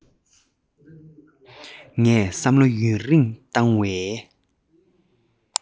ངས བསམ བློ ཡུན རིང བཏང བའི